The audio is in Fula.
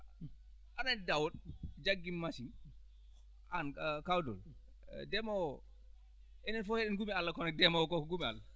aɗa anndi daawol jaggi machine aan kaw Doulo ndemoowo oo enen fof eɗen ngomi Allha kono ndemoowo ko ko gomi Allah